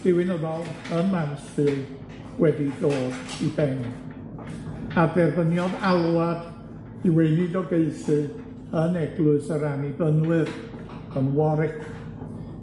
diwinyddol ym Mansfield wedi dod i ben, a dderbyniodd alwad i weinidogaethu yn eglwys yr Annibynwyr, yn Warwick.